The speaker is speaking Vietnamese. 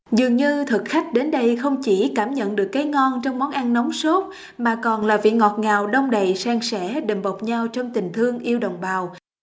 dường như thực khách đến đây không chỉ cảm nhận được cái ngon trong món ăn nóng sốt mà còn là vị ngọt ngào đong đầy san sẻ đùm bọc nhau trong tình thương yêu đồng bào